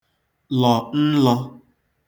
lọ̀ nlọ̄